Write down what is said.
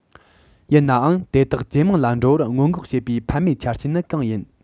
ཡིན ནའང དེ དག ཇེ མང ལ འགྲོ བར སྔོན འགོག བྱེད པའི ཕན མེད ཆ རྐྱེན ནི གང ཡིན